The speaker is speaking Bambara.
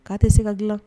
K'a tɛ se ka dilan